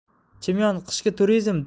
chimyon qishki turizm